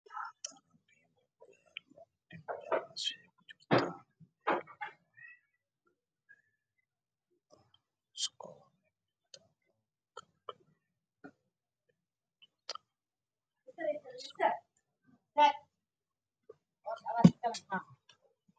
Meeshaan waxaa iiga muuqda illeymoo farabadan oo jaalle ah iyo cagaar ah waana liima fara badan oo kujiro weel